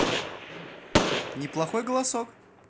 неплохой голосок